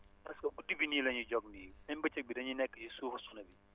parce que guddi bi nii la ñuy jóg nii même bëccëg bi dañuy nekk ci suufu suuna bi